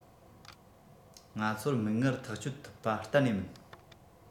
ང ཚོར མིག སྔར ཐག གཅོད ཐུབ པ གཏན ནས མིན